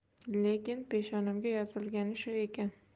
lekin peshonamga yozilgani shu ekan